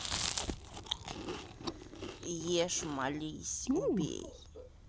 ешь молись убей